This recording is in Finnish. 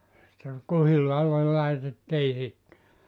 sitten kuhilaalle laitettiin sitten